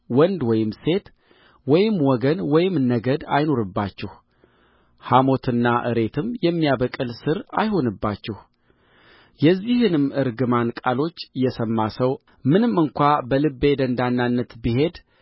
ወንድ ወይም ሴት ወይም ወገን ወይም ነገድ አይኑርባችሁ ሐሞትና እሬትም የሚያበቅል ሥር አይሁንባችሁ የዚህንም እርግማን ቃሎች የሰማ ሰው ምንም እንኳ በልቤ ደንዳንነት ብሄድ